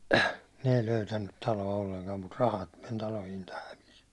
ne ei löytänyt taloa ollenkaan mutta rahat meni talo hinta hävisi